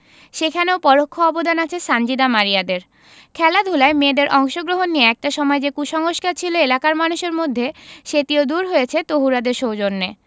সেখানেও পরোক্ষ অবদান আছে সানজিদা মারিয়াদের খেলাধুলায় মেয়েদের অংশগ্রহণ নিয়ে একটা সময় যে কুসংস্কার ছিল এলাকার মানুষের মধ্যে সেটিও দূর হয়েছে তহুরাদের সৌজন্যে